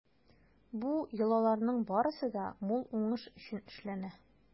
Бу йолаларның барысы да мул уңыш өчен эшләнә.